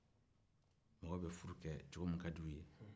mɔgɔw bɛ furu kɛ cogo min ka d'u ye